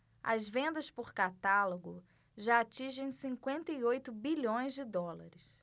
as vendas por catálogo já atingem cinquenta e oito bilhões de dólares